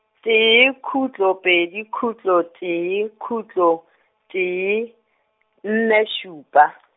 tee khutlo, pedi khutlo, tee khutlo, tee, nne šupa .